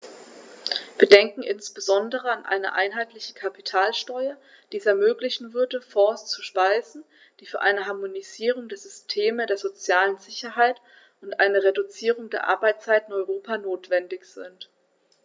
Wir denken insbesondere an eine einheitliche Kapitalsteuer, die es ermöglichen würde, Fonds zu speisen, die für eine Harmonisierung der Systeme der sozialen Sicherheit und eine Reduzierung der Arbeitszeit in Europa notwendig sind.